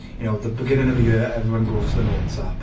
You know? The beginning of the year, everyone goes to the notes app.